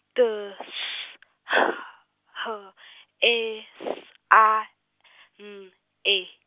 T S H H E S A M E.